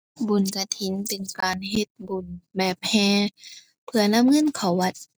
บุญกฐินเป็นการเฮ็ดบุญแบบแห่ เพื่อนำเงินเข้าวัด